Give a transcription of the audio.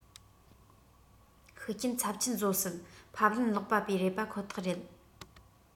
ཤུགས རྐྱེན ཚབས ཆེན བཟོ སྲིད ཕབ ལེན ཀློག པ པོའི རེད པ ཁོ ཐག རེད